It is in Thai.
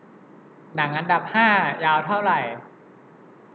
หนังอันดับห้ายาวเท่าไหร่